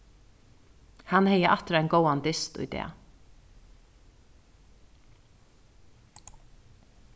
hann hevði aftur ein góðan dyst í dag